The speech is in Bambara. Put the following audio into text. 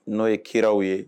N'o ye kiraw ye